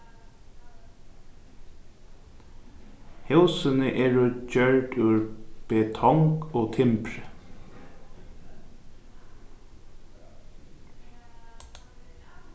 húsini eru gjørd úr betong og timbri